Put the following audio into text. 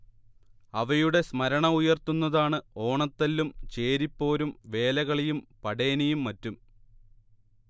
അവയുടെ സ്മരണ ഉയർത്തുന്നതാണ് ഓണത്തല്ലും ചേരിപ്പോരും വേലകളിയും പടേനിയും മറ്റും